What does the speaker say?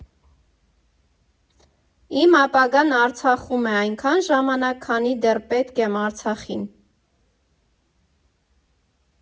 Իմ ապագան Արցախում է այնքան ժամանակ, քանի դեռ պետք եմ Արցախին։